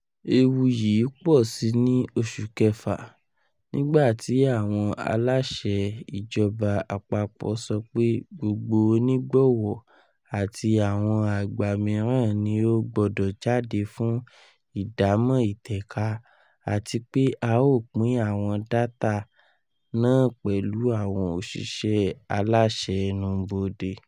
Ewu yii pọsi ni oṣu kẹfa, nigba ti awọn alaṣẹ ijọba apapọ sọ pe gbogbo onigbọwọ ati awọn agba miiran ni o gbọdọ jade fun idamọ itẹka, ati pe a o pin awọn data naapẹlu awọn oṣiṣẹ alaṣẹ ẹnubode.